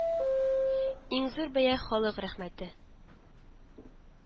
Иң зур бәя халык рәхмәте